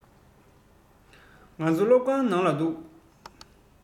ཁྱེད ཚོ སློབ གྲྭར འགྲོ མཁན ཡིན པས